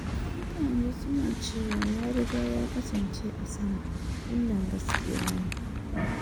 "Mutane su na cewa ya riga ya kasance a sama, wannan gaskiya ne.